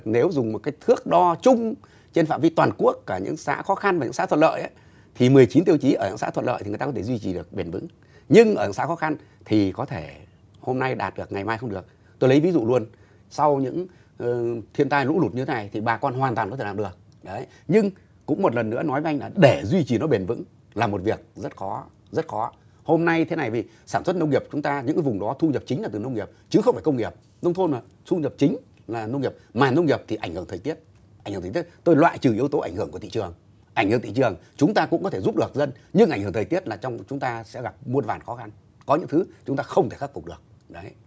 nếu dùng một cái thước đo chung trên phạm vi toàn quốc cả những xã khó khăn và những xã thuận lợi thì mười chín tiêu chí ở xã thuận lợi thì người ta để duy trì được bền vững nhưng ở xã khó khăn thì có thể hôm nay đạt được ngày mai không được tôi lấy ví dụ luôn sau những thiên tai lũ lụt như này thì bà con hoàn toàn có thể làm được đấy nhưng cũng một lần nữa nói với anh là để duy trì bền vững là một việc rất khó rất khó hôm nay thế này vì sản xuất nông nghiệp chúng ta những vùng đó thu nhập chính là từ nông nghiệp chứ không phải công nghiệp nông thôn mà thu nhập chính là nông nghiệp mà nông nghiệp thì ảnh hưởng thời tiết tiết tôi loại trừ yếu tố ảnh hưởng của thị trường ảnh hưởng thị trường chúng ta cũng có thể giúp được dân những ảnh hưởng thời tiết là trong chúng ta sẽ gặp muôn vàn khó khăn có những thứ chúng ta không thể khắc phục được đấy